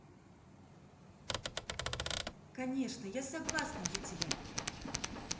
конечно я согласна за тебя